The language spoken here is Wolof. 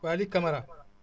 Waly Camara